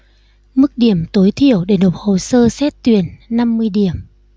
mức điểm tối thiểu để nộp hồ sơ xét tuyển năm mươi điểm